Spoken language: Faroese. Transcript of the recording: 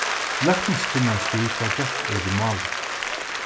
løgtingskvinnan spyr hvat gjørt er við málið